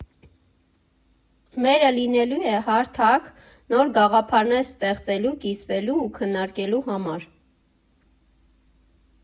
Մերը լինելու է հարթակ՝ նոր գաղափարներ ստեղծելու, կիսվելու ու քննարկելու համար։